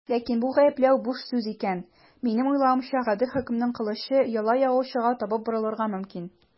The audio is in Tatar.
Ләкин бу гаепләү буш сүз икән, минем уйлавымча, гадел хөкемнең кылычы яла ягучыга таба борылырга мөмкин.